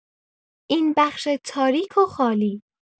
این بخش تاریک و خالی